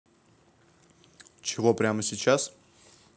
чего прямо сейчас